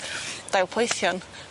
Dail poethion.